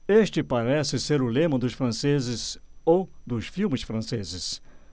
este parece ser o lema dos franceses ou dos filmes franceses